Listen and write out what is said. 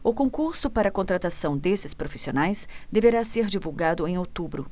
o concurso para contratação desses profissionais deverá ser divulgado em outubro